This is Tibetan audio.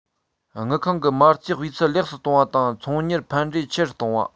དངུལ ཁང གི མ རྩའི སྤུས ཚད ལེགས སུ གཏོང བ དང ཚོང གཉེར ཕན འབྲས ཆེ རུ གཏོང བ